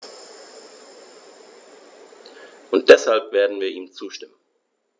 Und deshalb werden wir ihm zustimmen.